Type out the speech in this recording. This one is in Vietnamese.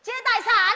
chia tài sản